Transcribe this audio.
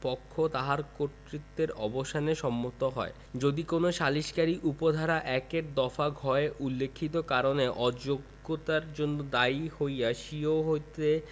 পক্ষ তাহার কর্তৃত্বের অবসানে সম্মত হয় ২ যদি কোন সালিসকারী উপ ধারা ১ এর দফা ঘ এ উল্লেখিত কারণে অযোগ্যতার জন্য দায়ী হইয়া স্বীয় হইতে